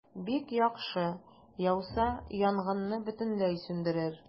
Бик яхшы, яуса, янгынны бөтенләй сүндерер.